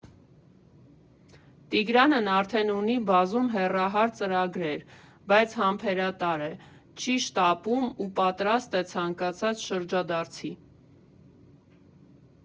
Տիգրանն արդեն ունի բազում հեռահար ծրագրեր, բայց համբերատար է, չի շտապում ու պատրաստ է ցանկացած շրջադարձի.